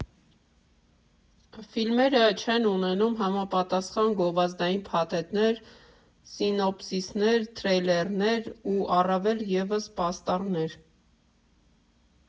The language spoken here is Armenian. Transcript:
Ֆիլմերը չեն ունենում համապատասխան գովազդային փաթեթներ՝ սինոփսիսներ, թրեյլերներ ու առավել ևս՝ պաստառներ։